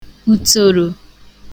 ùtòrò